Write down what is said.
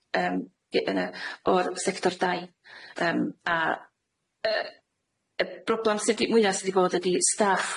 yym gy- yn y- o'r sector dai, yym a yy y broblam sy 'di- mwya sy 'di bod ydi staff